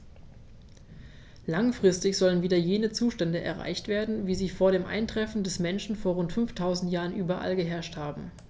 Langfristig sollen wieder jene Zustände erreicht werden, wie sie vor dem Eintreffen des Menschen vor rund 5000 Jahren überall geherrscht haben.